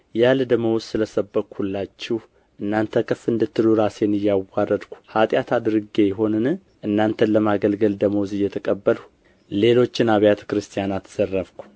ያለ ደመወዝ ስለ ሰበክሁላችሁ እናንተ ከፍ እንድትሉ ራሴን እያዋረድሁ ኃጢአት አድርጌ ይሆንን እናንተን ለማገልገል ደመወዝ እየተቀበልሁ ሌሎችን አብያተ ክርስቲያናት ዘረፍሁ